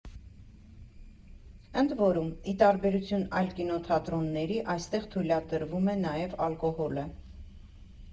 Ընդ որում, ի տարբերություն այլ կինոթատրոնների, այստեղ թույլատրվում է նաև ալկոհոլը։